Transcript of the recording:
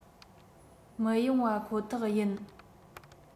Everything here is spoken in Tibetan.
མི ཡོང བ ཁོ ཐག ཡིན